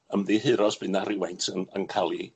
ymddiheuro os by' 'na rywfaint yn yn ca'l 'i